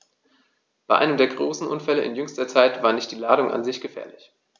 Bei einem der großen Unfälle in jüngster Zeit war nicht die Ladung an sich gefährlich.